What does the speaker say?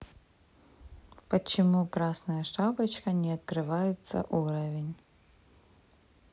почему красная шапочка не открывается уровень